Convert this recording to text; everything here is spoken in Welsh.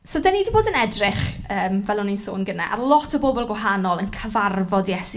So dan ni 'di bod yn edrych yym fel o'n i'n sôn gynnau, ar lot o bobl gwahanol yn cyfarfod Iesu.